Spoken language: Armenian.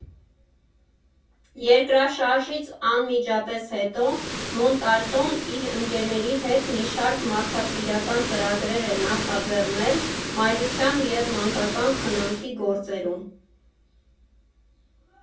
Երկրաշարժից անմիջապես հետո Մոնտալտոն իր ընկերների հետ մի շարք մարդասիրական ծրագրեր էր նախաձեռնել մայրության և մանկական խնամքի գործերում։